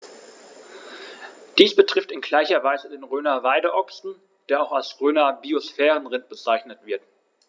Dies betrifft in gleicher Weise den Rhöner Weideochsen, der auch als Rhöner Biosphärenrind bezeichnet wird.